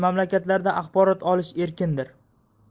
mamlakatlarda axborot olish erkindir